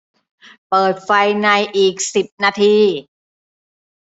เปิดไฟในอีกสิบนาที